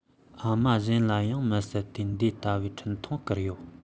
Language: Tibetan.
ཨ མ གཞན ལ ཡང མི སྲིད དེ འདི ལྟ བུའི འཕྲིན ཐུང བསྐུར ཡོད